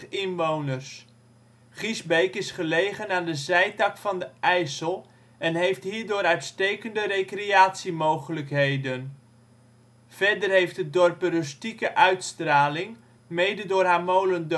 inwoners. Giesbeek is gelegen aan de zijtak van de IJssel en heeft hierdoor uitstekende recreatiemogelijkheden. Verder heeft het dorp een rustieke uitstraling, mede door haar molen